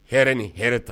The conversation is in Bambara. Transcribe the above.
Hɛrɛ ni hɛrɛ ta